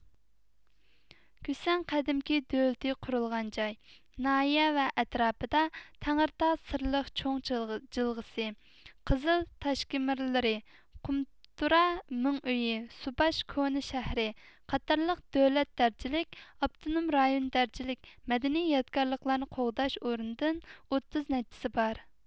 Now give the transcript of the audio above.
كۈسەن قەدىمكى دۆلىتى قۇرۇلغان جاي ناھىيە ۋە ئەتراپىدا تەڭرىتاغ سىرلىق چوڭ جىلغىسى قىزىل تاشكېمىرلىرى قۇمتۇرا مېڭئۆيى سۇباش كونا شەھىرى قاتارلىق دۆلەت دەرىجىلىك ئاپتونوم رايون دەرىجىلىك مەدەنىي يادىكارلىقلارنى قوغداش ئورنىدىن ئوتتۇز نەچچىسى بار